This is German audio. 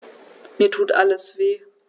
Mir tut alles weh.